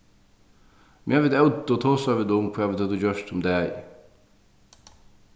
meðan vit ótu tosaðu vit um hvat vit høvdu gjørt um dagin